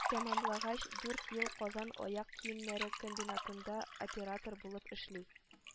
Тәмамлагач, дүрт ел казан аяк киемнәре комбинатында оператор булып эшли